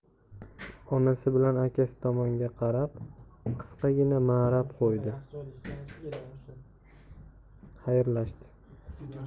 onasi bilan akasi tomonga qarab qisqagina marab qo'ydi xayrlashdi